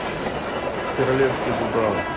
терлецкая дубрава